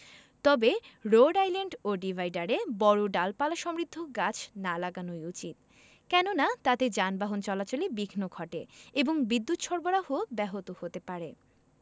তবে road island ও ডিভাইডারে বড় ডালপালাসমৃদ্ধ গাছ না লাগানোই উচিত কেননা তাতে যানবাহন চলাচলে বিঘ্ন ঘটে এবং বিদ্যুত সরবরাহ ব্যাহত হতে পারে